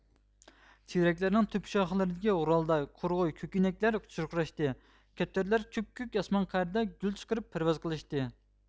تېرەكلەرنىڭ تۆپە شاخلىرىدىكى غورالداي قۇرغۇي كۆكىنەكلەر چۇرقۇراشتى كەپتەرلەر كۆپكۆك ئاسمان قەرىدە گۈل چىقىرىپ پەرۋاز قىلىشتى